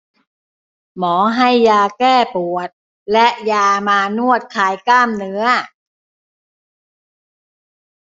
หมอให้ยาแก้ปวดและยามานวดคลายกล้ามเนื้อ